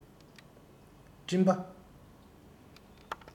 སྤྲིན པ